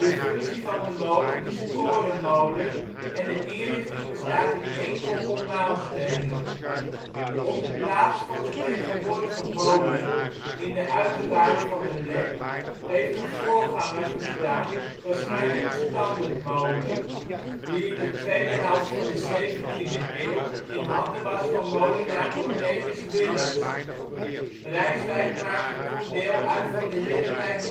functie van de molen is " korenmolen " en de inrichting bestaat uit 1 koppel maalstenen Op de plaats van de tegenwoordige molen (in de uiterwaarden van de Lek) heeft een voorganger gestaan - waarschijnlijk een standerdmolen - die in de tweede helft van de 17e eeuw in handen was van molenaar Cornelis Willemss. Rijswijk maakte toen deel uit van de heerlijkheid